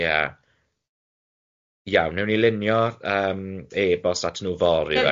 Ie, iawn wnawn ni lunio yym e-bost atyn nhw fory felly.